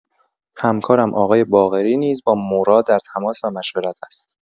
همکارم آقای باقری نیز با مورا در تماس و مشورت است.